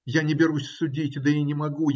я не берусь судить, да и не могу